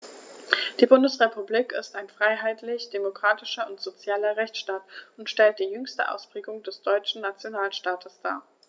Die Bundesrepublik ist ein freiheitlich-demokratischer und sozialer Rechtsstaat und stellt die jüngste Ausprägung des deutschen Nationalstaates dar.